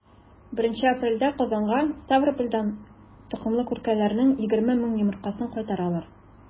1 апрельдә казанга ставропольдән токымлы күркәләрнең 20 мең йомыркасын кайтаралар.